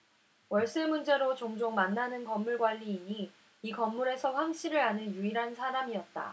월세 문제로 종종 만나는 건물 관리인이 이 건물에서 황씨를 아는 유일한 사람이었다